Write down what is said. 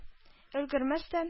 Өлгермәстән